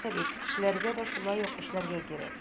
Менә бит кешеләргә дә шулай ук эшләргә кирәк.